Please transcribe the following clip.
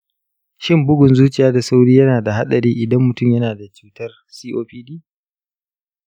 shin bugun zuciya da sauri yana da haɗari idan mutum yana da ciwon copd?